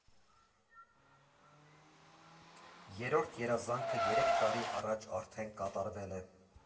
Երրորդ երազանքը երեք տարի առաջ արդեն կատարվել է։